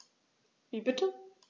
Wie bitte?